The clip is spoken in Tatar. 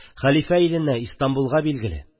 Хәлифә иленә, Истанбулга, билгеле.